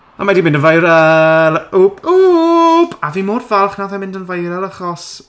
A mae di'n mynd yn viral. Wwp wwp. A fi mor falch wnaeth e mynd yn viral achos...